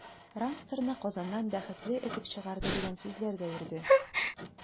“рамстор”ны казаннан “бәхетле” этеп чыгарды, дигән сүзләр дә йөрде.